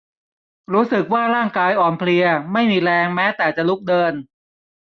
รู้สึกว่าร่างกายอ่อนเพลียไม่มีแรงแม้แต่จะลุกเดิน